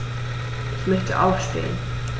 Ich möchte aufstehen.